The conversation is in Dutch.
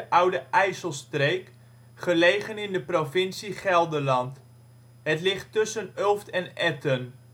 Oude IJsselstreek, gelegen in de provincie Gelderland. Het ligt tussen Ulft en Etten